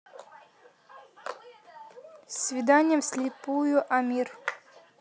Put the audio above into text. свидание вслепую амир